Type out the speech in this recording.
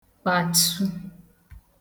kpàtsu